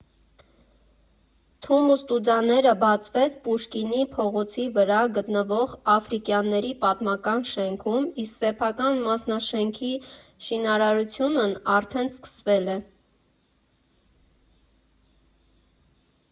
Թումու Ստուդաները բացվեց Պուշկինի փողոցի վրա գտնվող Աֆրիկյանների պատմական շենքում, իսկ սեփական մասնաշենքի շինարարությունն արդեն սկսվել է։